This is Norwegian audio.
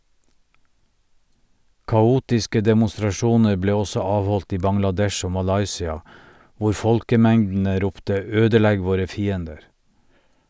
Kaotiske demonstrasjoner ble også avholdt i Bangladesh og Malaysia, hvor folkemengdene ropte «ødelegg våre fiender!»